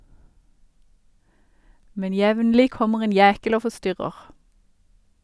Men jevnlig kommer en jækel og forstyrrer.